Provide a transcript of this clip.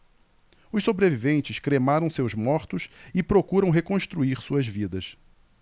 os sobreviventes cremaram seus mortos e procuram reconstruir suas vidas